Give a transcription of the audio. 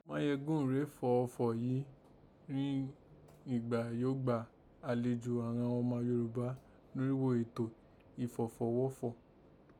Máyégún rèé fọ̀ ọfọ̀ yìí rin nìgbà yìí ó gbà àlejò àghan ọma Yorùbá norígho ètò ìfọfọ̀ghọ́fọ̀